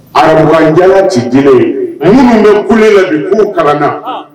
Yala ci j ye minnu bɛ kule la' kalan na